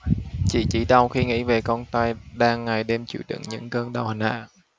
chị chỉ đau khi nghĩ về con trai đang ngày đêm chịu đựng những cơn đau hành hạ